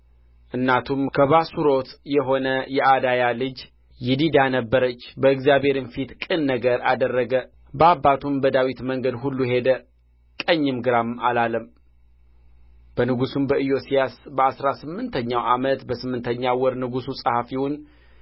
እናቱም ከባሱሮት የሆነ የአዳያ ልጅ ይዲዳ ነበረች በእግዚአብሔርም ፊት ቅን ነገርን አደረገ በአባቱም በዳዊት መንገድ ሁሉ ሄደ ቀኝም ግራም አላለም በንጉሡም በኢዮስያስ በአሥራ ስምንተኛው ዓመት በስምንተኛው ወር ንጉሡ ጸሐፊውን